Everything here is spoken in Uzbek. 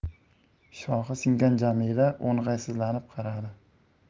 shoxi singan jamila o'ng'aysizlanib qaradi